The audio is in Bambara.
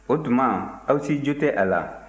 o tuma aw si jo tɛ a la